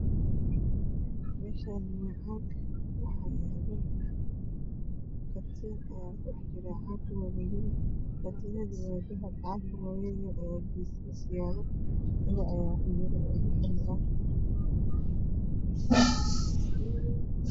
Meeshaani waa caag Waxa yaalo katin katiinadaa waa dahabi cag Aya yaalo meeaha